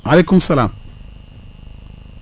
maaleykum salaam